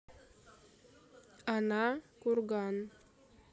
она курган